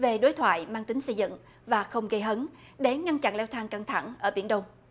về đối thoại mang tính xây dựng và không gây hấn để ngăn chặn leo thang căng thẳng ở biển đông